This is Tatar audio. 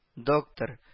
— доктор